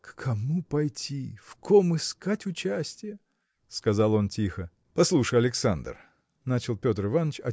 – К кому пойти, в ком искать участия?. – сказал он тихо. – Послушай, Александр! – начал Петр Иваныч